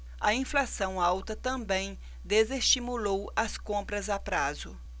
a inflação alta também desestimulou as compras a prazo